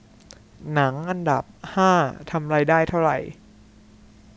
หนังอันดับห้าทำรายได้เท่าไหร่